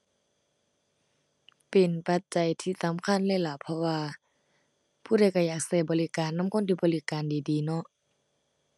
เป็นปัจจัยที่สำคัญเลยล่ะ เพราะว่าผู้ใดก็อยากก็บริการนำคนที่บริการดีดีเนาะ